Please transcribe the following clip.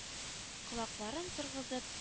Колакларын торгызып